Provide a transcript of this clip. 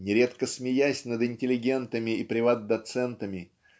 Нередко смеясь над интеллигентами и приват-доцентами